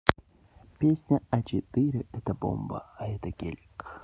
песня а четыре это бомба а это гелик